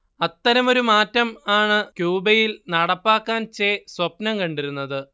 അത്തരമൊരു മാറ്റം ആണ് ക്യൂബയിൽ നടപ്പാക്കാൻ ചെ സ്വപ്നം കണ്ടിരുന്നത്